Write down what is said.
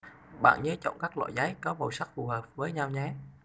bạn nhớ chọn các loại giấy có màu sắc phù hợp với nhau nhé